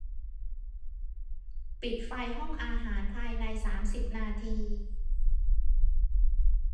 ปิดไฟห้องอาหารภายในสามสิบนาที